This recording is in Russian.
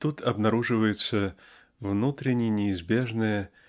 тут обнаруживается внутренне неизбежное